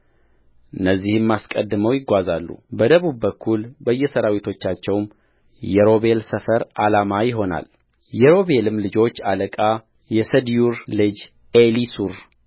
እነዚህም አስቀድመው ይጓዛሉበደቡብ በኩል በየሠራዊቶቻቸው የሮቤል ሰፈር ዓላማ ይሆናል የሮቤልም ልጆች አለቃ የሰዲዮር ልጅ ኤሊሱር